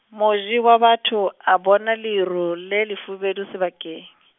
Moji wa batho a bona leru le lefubedu sebakeng.